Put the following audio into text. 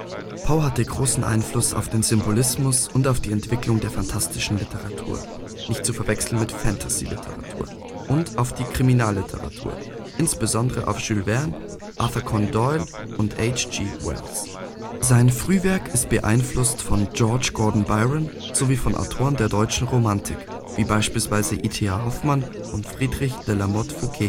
Poe hatte großen Einfluss auf den Symbolismus und auf die Entwicklung der phantastischen Literatur (nicht zu verwechseln mit Fantasy-Literatur) und auf die Kriminalliteratur, insbesondere auf Jules Verne, Arthur Conan Doyle und H. G. Wells. Sein Frühwerk ist beeinflusst von George Gordon Byron sowie von Autoren der deutschen Romantik, wie beispielsweise E.T.A. Hoffmann und Friedrich de la Motte Fouqué